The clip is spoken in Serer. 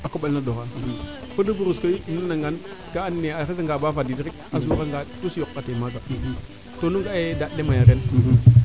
a koɓale na doxaa fue de brousse koy o nana ngaan kaa ando naye a xes nga ba fadiin rek a sura nga tus yoqate maaga to nu nga'aye daand le maya ren